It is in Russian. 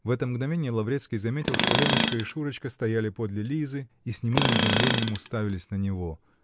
В это мгновенье Лаврецкий заметил, что Леночка и Шурочка стояли подле Лизы и с немым изумленьем уставились на него.